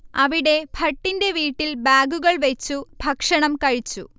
അവിടെ ഭട്ടിന്റെ വീട്ടിൽ ബാഗുകൾ വെയ്ച്ചു ഭക്ഷണം കഴിച്ചു